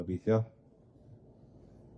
Gobeithio.